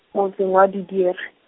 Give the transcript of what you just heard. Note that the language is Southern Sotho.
motseng wa di diela.